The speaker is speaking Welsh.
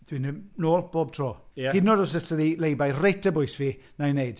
Dwi'n mynd nôl, bob tro... ia? ...Hyd yn oed os oes 'da fi lay-by reit ar bwys fi, wna i wneud.